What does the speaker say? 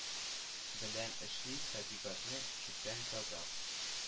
Белән эшли, табигатьне чүптән тазар